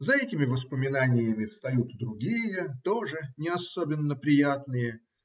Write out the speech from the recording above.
" За этими воспоминаниями встают другие, тоже не особенно приятные.